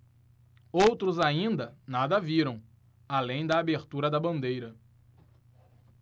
outros ainda nada viram além da abertura da bandeira